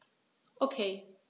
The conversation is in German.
Okay.